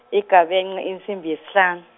igabence insimbi yesihlan-.